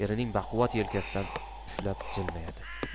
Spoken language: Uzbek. erining baquvvat yelkasidan ushlab jilmayadi